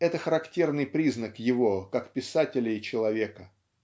это - характерный признак его как писателя и человека).